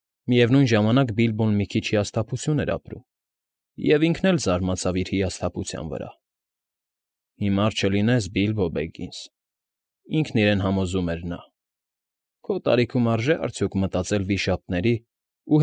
Միևնույն ժամանակ Բիլբոն մի քիչ հիասթափություն էր ապրում և ինքն էլ զարմացավ իր հիասթափության վրա։ «Հիմար չլինես, Բիլբո Բեգինս,֊ ինքն իրեն համոզում էր նա,֊ քո տարիքում արժե՞ արդյոք մտածել վիշապների ու։